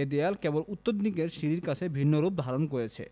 এ দেয়াল কেবল উত্তর দিকের সিঁড়ির কাছে ভিন্নরূপ ধারণ করেছে